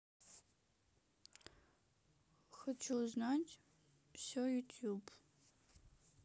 хочу знать все ютуб